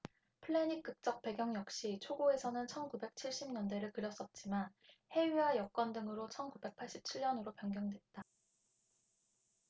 플래닛극적 배경 역시 초고에서는 천 구백 칠십 년대를 그렸었지만 회의와 여건 등으로 천 구백 팔십 칠 년으로 변경됐다